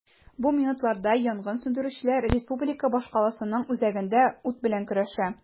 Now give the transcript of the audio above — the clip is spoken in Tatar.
Бу минутларда янгын сүндерүчеләр республика башкаласының үзәгендә ут белән көрәшә.